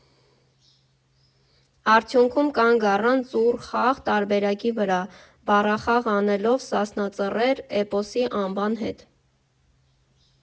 Արդյունքում կանգ առան «Ծուռ խաղ» տարբերակի վրա՝ բառախաղ անելով «Սասնա Ծռեր» էպոսի անվան հետ։